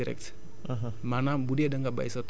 jéem leen utiliser d' une manière :ra indirecte